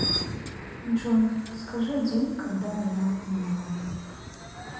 джой скажи день когда я умру